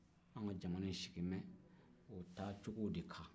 an ka jamana in sigilen bɛ o taa cogo de kan